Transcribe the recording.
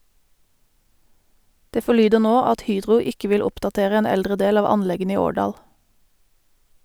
Det forlyder nå at Hydro ikke vil oppdatere en eldre del av anleggene i Årdal.